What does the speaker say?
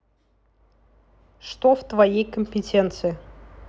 что в твоей компетенции